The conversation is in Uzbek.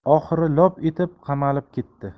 oxiri lop etib qamalib ketdi